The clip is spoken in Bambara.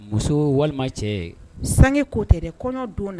Muso walima cɛ. sange ko tɛ dɛ kɔɲɔ don de